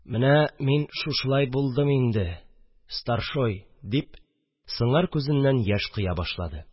– менә мин шушылай булдым инде, старшой, – дип сыңар күзеннән яшь коя башлады